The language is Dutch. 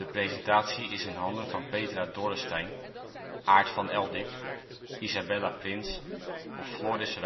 presentatie is in handen van Petra Dorrestein, Aart van Eldik, Isabella Prins of Floris